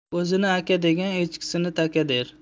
o'zini aka degan echkisini taka der